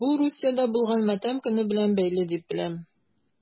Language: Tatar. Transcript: Бу Русиядә булган матәм көне белән бәйле дип беләм...